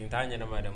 Nin t'a ɲɛnama ye d